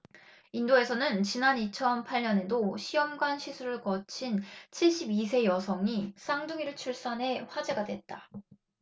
인도에서는 지난 이천 팔 년에도 시험관시술을 거친 칠십 이 세 여성이 쌍둥이를 출산해 화제가 됐다